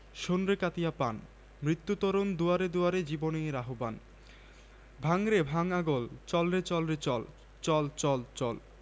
এর আগে গত নভেম্বর মাসে মিয়ানমার বাহিনী রোহিঙ্গাদের হত্যা ধর্ষণ নির্যাতন তো দূরের কথা কোনো ধরনের অন্যায় আচরণ করার অভিযোগও নাকচ করে